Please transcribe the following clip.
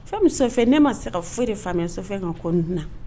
Fɛn fɛ ne ma se ka foyi de faamafɛn ka koan